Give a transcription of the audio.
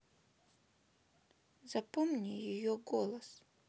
запомни ее голос